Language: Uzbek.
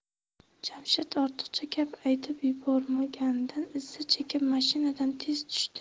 jamshid ortiqcha gap aytib yuborganidan izza chekib mashinadan tez tushdi